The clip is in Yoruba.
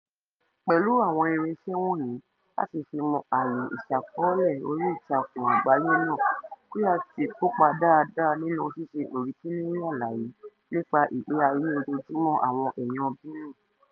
Pẹ̀lú àwọn irinṣẹ́ wọ̀nyìí láti fi mọ àyè ìṣàkọọ́lẹ̀ oríìtakùn àgbáyé náà, Kouyaté kópa dáadáa nínú ṣíṣe ọ̀rínkinnínwìn àlàyé nípa ìgbé ayé ojoojúmọ́ àwọn èèyàn Guinea.